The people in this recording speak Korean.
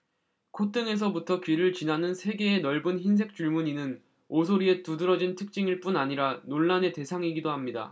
콧등에서부터 귀를 지나는 세 개의 넓은 흰색 줄무늬는 오소리의 두드러진 특징일 뿐 아니라 논란의 대상이기도 합니다